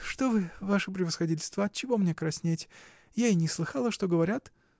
— Что вы, ваше превосходительство. отчего мне краснеть? Я и не слыхала, что говорят.